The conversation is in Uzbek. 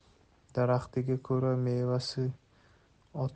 daraxtiga ko'ra mevasi